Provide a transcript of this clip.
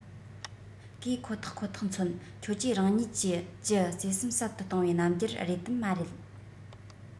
གིས ཁོ ཐག ཁོ ཐག མཚོན ཁྱོད ཀྱིས རང ཉིད ཀྱིས ཀྱི བརྩེ སེམས ཟབ ཏུ གཏོང བའི རྣམ འགྱུར རེད དམ མ རེད